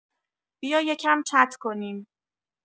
بیا یکم چت کنیم